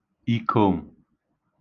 ìkòm